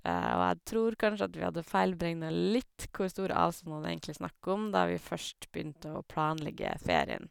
Og jeg tror kanskje at vi hadde feilberegna litt hvor store avstander det egentlig er snakk om, da vi først begynte å planlegge ferien.